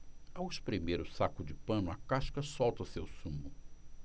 ao espremer o saco de pano a casca solta seu sumo